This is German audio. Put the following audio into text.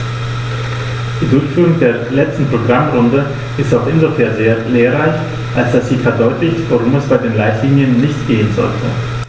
Die Durchführung der letzten Programmrunde ist auch insofern sehr lehrreich, als dass sie verdeutlicht, worum es bei den Leitlinien nicht gehen sollte.